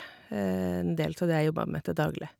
En del ta det jeg jobber med til daglig.